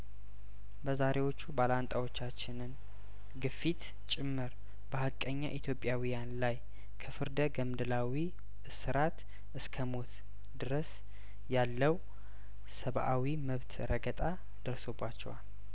በዛሬዎቹ ባላንጣ ዎቻችንን ግፊት ጭምር በሀቀኛ ኢትዮጵያውያን ላይ ከፍርደ ገምድላዊ እስራት እስከሞት ድረስ ያለው ሰብአዊ መብት ረገጣ ደርሶባቸዋል